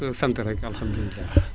sant rekk alxamdulillaa